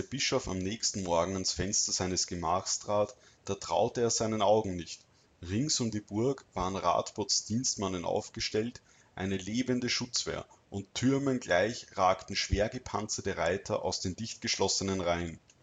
Bischof am nächsten Morgen ans Fenster seines Gemachs trat, da traute er seinen Augen nicht! Rings um die Burg waren Radbots Dienstmannen aufgestellt, eine lebende Schutzwehr, und Türmen gleich ragten schwer gepanzerte Reiter aus den dicht geschlossenen Reihen